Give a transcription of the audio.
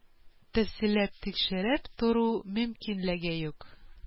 Тәфсилләп тикшереп тору мөмкинлеге юк